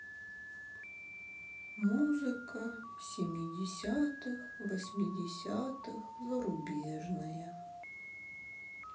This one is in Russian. музыка семидесятых восьмидесятых зарубежная